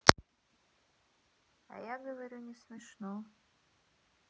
а я говорю не смешно